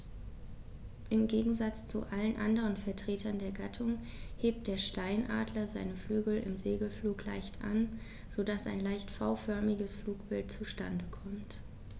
Im Gegensatz zu allen anderen Vertretern der Gattung hebt der Steinadler seine Flügel im Segelflug leicht an, so dass ein leicht V-förmiges Flugbild zustande kommt.